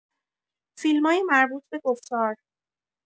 فیلمای مربوط به گفتار